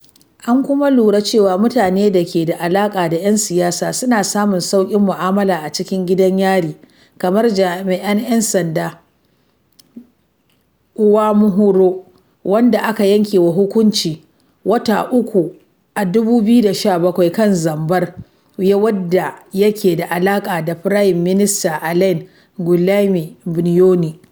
An kuma lura cewa mutanen da ke da alaka da yan siyasa suna samun sauƙin mu'amala a cikin gidan yari, kamar jami’in yan sanda Désiré Uwamahoro — wanda aka yanke wa hukuncin wata uku a 2017 kan zambar — wadda yake da alaka da Firayim Minista Alain Guillaume Bunyoni.